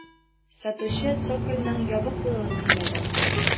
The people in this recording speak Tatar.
Сатучы цокольның ябык булуын сөйләгән.